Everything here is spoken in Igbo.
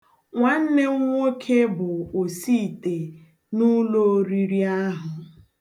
Nwanne m nwoke bụ osiite n'ụlọoriri ahụ.